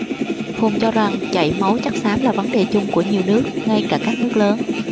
hùng cho rằng chảy máu chất xám là vấn đề chung của nhiều nước ngay cả các nước lớn